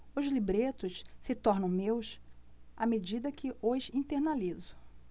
os libretos se tornam meus à medida que os internalizo